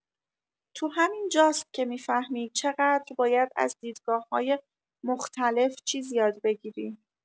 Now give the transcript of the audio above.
تو همین جاست که می‌فهمی چقدر باید از دیدگاه‌های مختلف چیز یاد بگیری.